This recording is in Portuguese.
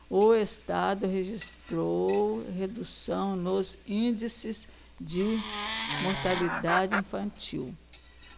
o estado registrou redução nos índices de mortalidade infantil